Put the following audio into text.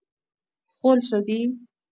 خل شدی؟